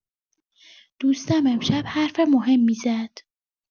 دوستم امشب حرف مهمی زد؛